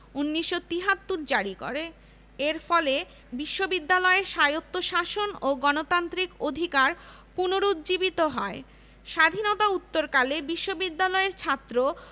স্থান সংকুলানের লক্ষ্যে বিশ্ববিদ্যালয়ের আওতা সম্প্রসারণ করা হয় এবং এজন্য বর্ধিত আকারে অর্থ বরাদ্দও করা হয়